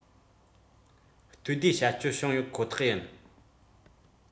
ལྟོས ཟླའི བྱ སྤྱོད བྱུང ཡོད ཁོ ཐག ཡིན